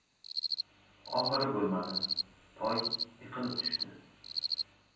oxiri bo'lmadi toy yiqilib tushdi